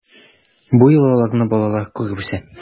Бу йолаларны балалар күреп үсә.